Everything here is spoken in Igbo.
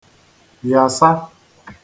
yàsa